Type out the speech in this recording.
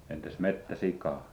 entäs metsäsikaa